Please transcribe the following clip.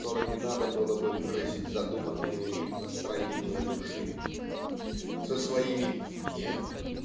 которыми надо было бы выразить задуманные им настроения души. Со своим "нет"